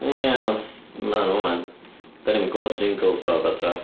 Ie, ond maen nhw 'wan. Dan ni'm yn clywed y jingles pawb adra.